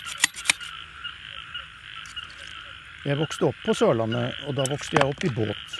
Jeg vokste opp på Sørlandet, og da vokste jeg opp i båt.